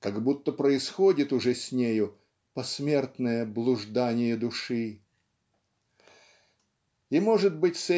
как будто происходит уже с нею "посмертное блуждание души". И может быть